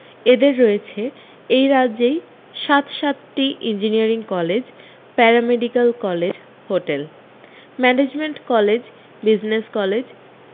এদের রয়েছে এই রাজ্যেই সাত সাতটি engineering college paramedical college hotel management college business college